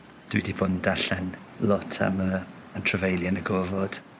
Dwi 'di bod yn darllen lot am yy y trafeilu yn y gorfod.